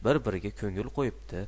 bir biriga ko'ngil qo'yibdi